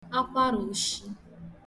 akwarà oshi